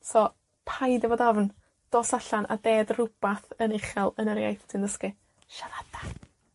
So, paid â fod ofn. Dos allan a ded rwbath yn uchel yn yr iaith ti'n ddysgu. Siarada!